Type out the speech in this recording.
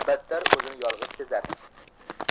battar o'zini yolg'iz sezardi